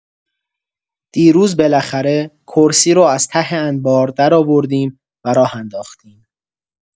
دیروز بالاخره کرسی رو از ته انبار درآوردیم و راه انداختیم.